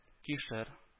Кишер